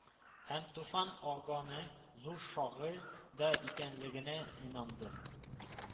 Һәм туфан аганың зур шагыйрь дә икәнлегенә инандым.